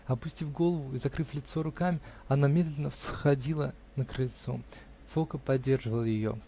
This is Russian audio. опустив голову и закрыв лицо руками, она медленно всходила на крыльцо. Фока поддерживал ее.